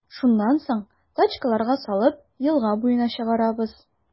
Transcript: Шуннан соң, тачкаларга салып, елга буена чыгарабыз.